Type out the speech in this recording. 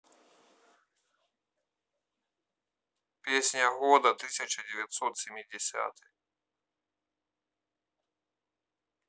песня года тысяча девятьсот семидесятый